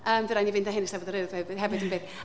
yym fydd raid i ni fynd â hyn i Eisteddfod yr Urdd hefyd yn bydd.